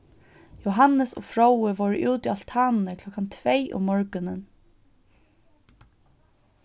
jóhannes og fróði vóru úti á altanini klokkan tvey um morgunin